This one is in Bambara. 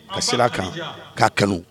Ka sira a kan k'a kɛnɛ